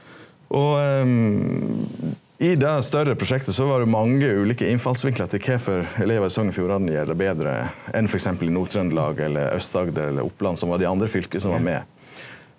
og i det større prosjektet så var det mange ulike innfallsvinklar til kvifor elevar i Sogn og Fjordane gjer det betre enn f.eks. i Nord-Trøndelag eller Aust-Agder eller Oppland som var dei andre fylka som var med.